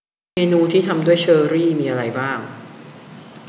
เมนูที่ทำด้วยเชอร์รี่มีอะไรบ้าง